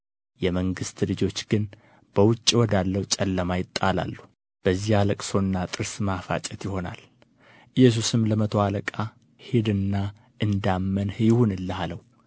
የመንግሥት ልጆች ግን በውጭ ወደ አለው ጨለማ ይጣላሉ በዚያ ልቅሶና ጥርስ ማፋጨት ይሆናል ኢየሱስም ለመቶ አለቃ ሂድና እንዳመንህ ይሁንልህ አለው